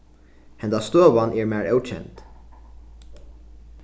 hendan støðan er mær ókend